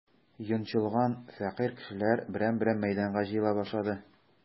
Йончылган, фәкыйрь кешеләр берәм-берәм мәйданга җыела башлады.